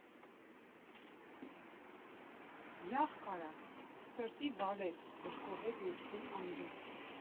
Յախք արա, սրտի վալետ, ֊ դժգոհեց մտքում Անդոն։